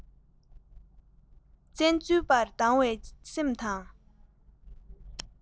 བཙན འཛུལ པར སྡང བའི སེམས དང